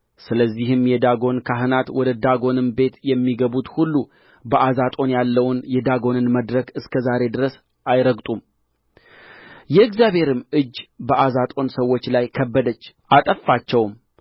ስለዚህም የዳጎን ካህናት ወደ ዳጎንም ቤት የሚገቡት ሁሉ በአዛጦን ያለውን የዳጎንን መድረክ እስከ ዛሬ ድረስ አይረግጡም የእግዚአብሔርም እጅ በአዛጦን ሰዎች ላይ ከበደች አጠፋቸውም